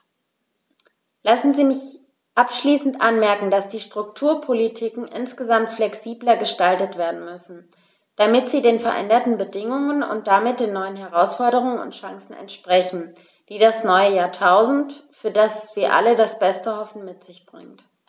Lassen Sie mich abschließend anmerken, dass die Strukturpolitiken insgesamt flexibler gestaltet werden müssen, damit sie den veränderten Bedingungen und damit den neuen Herausforderungen und Chancen entsprechen, die das neue Jahrtausend, für das wir alle das Beste hoffen, mit sich bringt.